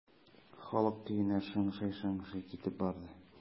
Халык көенә шыңшый-шыңшый китеп барды.